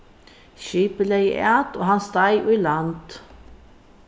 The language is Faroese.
skipið legði at og hann steig í land